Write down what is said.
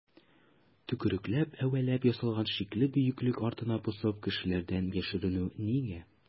Төкерекләп-әвәләп ясалган шикле бөеклек артына посып кешеләрдән яшеренү нигә?